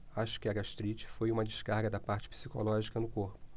acho que a gastrite foi uma descarga da parte psicológica no corpo